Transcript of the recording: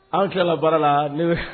An tila la baara la ne